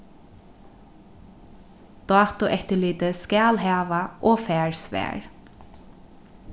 dátueftirlitið skal hava og fær svar